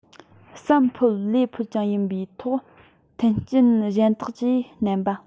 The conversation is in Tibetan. བསམ ཕོད ལས ཕོད ཀྱང ཡིན པའི ཐོག མཐུན རྐྱེན གཞན དག བཅས བསྣན པ